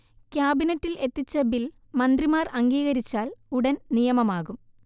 ക്യാബിനറ്റിൽ എത്തിച്ച ബിൽ മന്ത്രിമാർ അംഗീകരിച്ചാൽ ഉടൻ നിയമമാകും